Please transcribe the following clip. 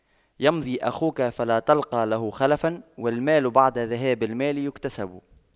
يمضي أخوك فلا تلقى له خلفا والمال بعد ذهاب المال يكتسب